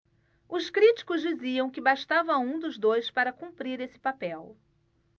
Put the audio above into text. os críticos diziam que bastava um dos dois para cumprir esse papel